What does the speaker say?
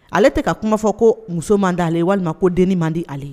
Ale tɛ ka kuma fɔ ko muso man di ale ye walima ko dennin man di ale ye